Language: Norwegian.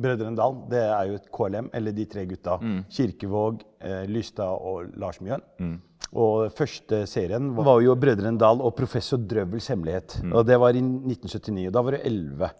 Brødrene Dal det er jo et KLM eller de tre gutta Kirkvaag Lystad og Lars Mjøen og første serien var jo Brødrene Dal og professor Drøvels hemmelighet og det var i 1979 og da var du elleve.